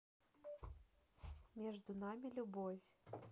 между нами любовь